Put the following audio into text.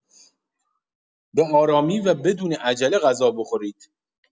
به‌آرامی و بدون عجله غذا بخورید.